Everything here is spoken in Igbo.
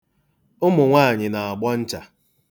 Ụmụ nwaanyị na-agbọ ncha.